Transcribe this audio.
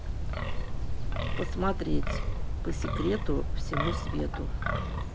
посмотреть по секрету всему свету